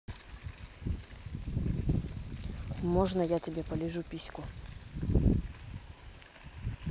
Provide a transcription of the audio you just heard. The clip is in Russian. можно я тебе полижу письку